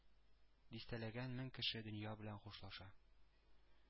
Дистәләгән мең кеше дөнья белән хушлаша.